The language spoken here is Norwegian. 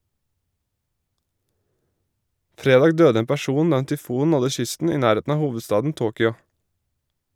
Fredag døde en person da en tyfon nådde kysten i nærheten av hovedstaden Tokyo.